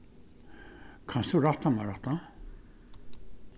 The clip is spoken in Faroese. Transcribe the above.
kanst tú rætta mær hatta